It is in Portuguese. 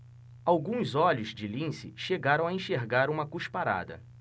alguns olhos de lince chegaram a enxergar uma cusparada